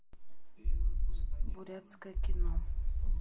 бурятское кино